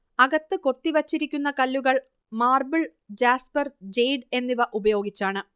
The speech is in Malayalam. അകത്ത് കൊത്തി വച്ചിരിക്കുന്ന കല്ലുകൾ മാർബിൾ ജാസ്പർ ജേഡ് എന്നിവ ഉപയോഗിച്ചാണ്